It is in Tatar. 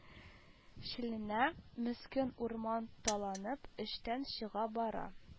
Чиләнә, мескен урман таланып эштән чыга бара